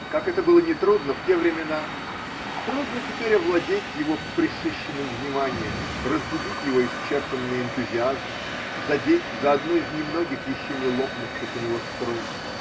как это было нетрудно в те времена, трудно теперь овладеть его пресыщенным вниманием, разбудить его исчерпанный энтузиазм, задеть за одну из немногих еще не лопнувших у него струн.